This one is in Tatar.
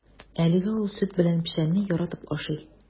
Әлегә ул сөт белән печәнне яратып ашый.